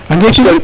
A ngeekin